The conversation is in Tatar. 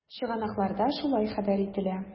Чыганакларда шулай хәбәр ителә.